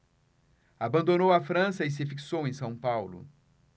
abandonou a frança e se fixou em são paulo